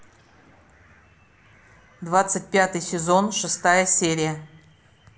двадцать пятый сезон шестая серия